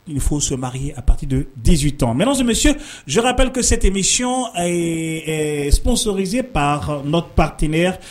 Il faut se marier à partir de 18 ans mesdames et messieurs, je rappelle que cette émission est sponsorisée par notre partenaire